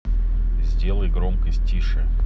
сделай громкость тише